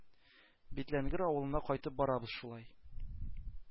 Битләнгер авылына кайтып барабыз шулай,